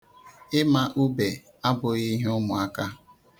Ịma ube abụghị ihe ụmụaka.